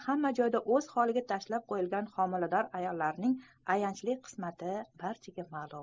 hamma joyda o'z holiga tashlab qo'yilgan homilador ayollarning ayanchli qismati barchaga ma'lum